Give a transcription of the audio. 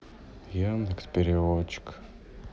яндекс переводчик